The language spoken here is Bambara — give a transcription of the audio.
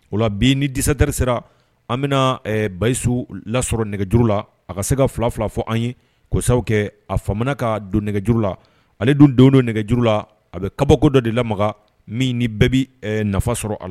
O bi ni disadri sera an bɛna basiyisiw lasɔrɔ nɛgɛjuru la a ka se ka fila fila fɔ an ye kosa kɛ a fanga ka don nɛgɛj la ale dun don don nɛgɛjuru la a bɛ kabako dɔ de lama min ni bɛɛ bɛ nafa sɔrɔ a